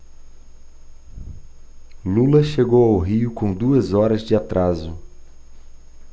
lula chegou ao rio com duas horas de atraso